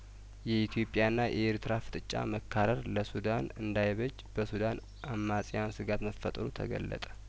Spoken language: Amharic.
የኢትዮጵያ ና የኤርትራ ፍጥጫ መካረር ለሱዳን እንዳይበጅ በሱዳን አማጺያን ስጋት መፈጠሩ ተገለጠ